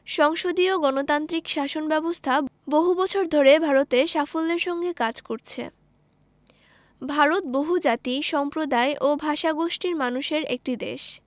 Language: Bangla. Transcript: সংসদীয় গণতান্ত্রিক শাসন ব্যাবস্থা বহু বছর ধরে ভারতে সাফল্যের সঙ্গে কাজ করছে ভারত বহুজাতি সম্প্রদায় ও ভাষাগোষ্ঠীর মানুষের একটি দেশ